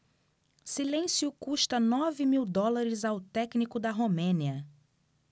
silêncio custa nove mil dólares ao técnico da romênia